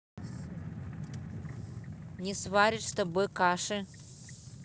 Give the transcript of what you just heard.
не сваришь с тобой каши